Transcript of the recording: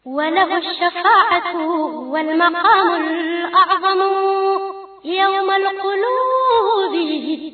Wadugu walima yoma